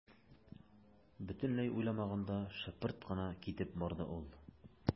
Бөтенләй уйламаганда шыпырт кына китеп барды ул.